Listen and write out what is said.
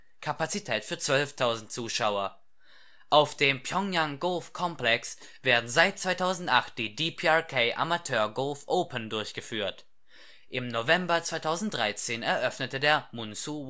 Kapazität für 12.000 Zuschauer). Auf dem Pyongyang Golf Complex werden seit 2011 die DPRK Amateur Golf Open durchgeführt. Im November 2013 eröffnete der Munsu